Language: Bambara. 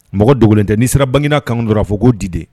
Mɔgɔ dogo tɛ, n'i sera baginda camp kɔnɔ dɔrɔ a fɔ ko Dide.